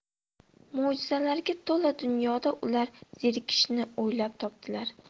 mo'jizalarga to'la dunyoda ular zerikishni o'ylab topdilar